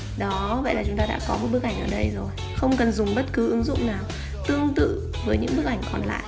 đó vậy là chúng ta đã có một bức ảnh ở đây không cần dùng bất cứ ứng dụng nào tương tự với những bức ảnh còn lại